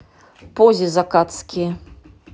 пози закатские